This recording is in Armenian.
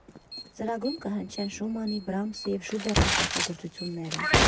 Ծրագրում կհնչեն Շումանի, Բրամսի և Շուբերտի ստեղծագործությունները։